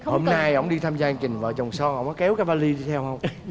hổm nay ổng đi tham gia chương trình vợ chồng son ổng có kéo cái va li đi theo hông